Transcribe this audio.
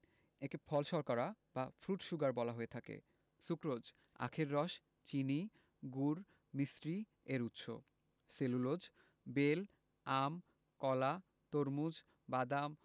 একে ফল শর্করা বা ফ্রুট শুগার বলা হয়ে থাকে সুক্রোজ আখের রস চিনি গুড় মিছরি এর উৎস সেলুলোজ বেল আম কলা তরমুজ বাদাম